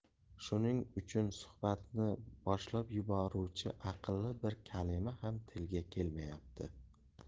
shuning uchunmi suhbatni boshlab yuborguvchi aqalli bir kalima ham tilga kelmayapti